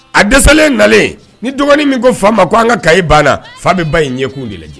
A dɛsɛlen nalen ni dɔgɔnin min ko fa ma, k'an ka cahier bana fa bɛ ba ɲɛkun de lajɛ.